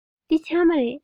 འདི ཕྱགས མ རེད